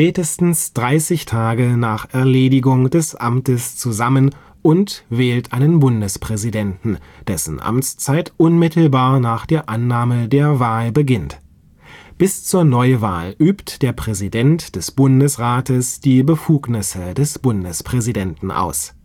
spätestens 30 Tage nach der Erledigung des Amtes zusammen und wählt einen Bundespräsidenten, dessen Amtszeit unmittelbar nach der Annahme der Wahl beginnt. Bis zur Neuwahl übt der Präsident des Bundesrates die Befugnisse des Bundespräsidenten aus